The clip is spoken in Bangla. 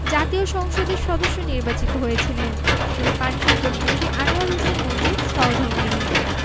জাতীয় সংসদের সদস্য নির্বাচিত হয়েছিলেন তিনি পানিসম্পদমন্ত্রী আনোয়ার হোসেন মঞ্জুর সহধর্মিণী